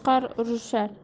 echkining buti ayrilar